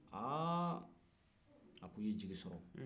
aa a ko n ye jigi sɔrɔ